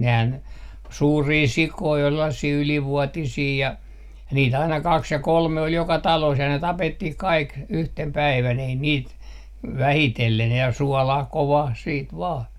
nehän suuria sikoja oli sellaisia ylivuotisia ja niitä aina kaksi ja kolme oli joka talossa ja ne tapettiin kaikki yhtenä päivänä ei niitä vähitellen ja suolaan kovaan sitten vain